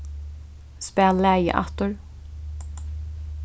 spæl lagið aftur